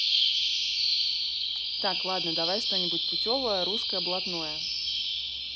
так ладно давай что нибудь путевое русское блатное